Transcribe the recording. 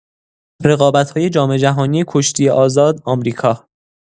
رقابت‌های جام‌جهانی کشتی آزاد-آمریکا